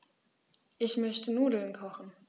Ich möchte Nudeln kochen.